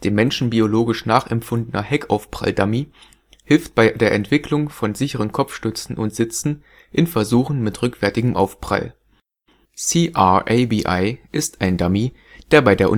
Menschen biologisch nachempfundener Heckaufprall-Dummy) hilft bei der Entwicklung von sichereren Kopfstützen und Sitzen in Versuchen mit rückwärtigem Aufprall. CRABI ist ein Dummy, der bei der